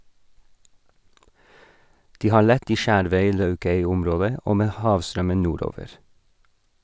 De har lett i Skjervøy-Laukøy-området, og med havstrømmen nordover.